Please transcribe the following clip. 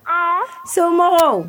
Awɔ somɔgɔw